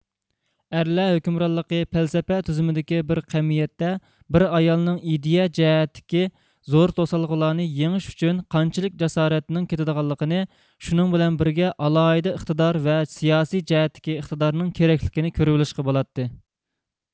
ئەرلەر ھۆكۈمرانلىقى پەلسەپە تۈزۈمدىكى بىر قەمىيەتتە بىر ئايالنىڭ ئىدىيە جەھەتتىكى زور توسالغۇلارنى يېڭىش ئۈچۈن قانچىلىك جاسارەتنىڭ كېتىدىغانلىقىنى شۇنىڭ بىلەن بىرگە ئالاھىدە ئىقتىدار ۋە سىياسىي جەھەتتىكى ئىقتىدارنىڭ كېرەكلىكىنى كۆرۈۋېلىشقا بولاتتى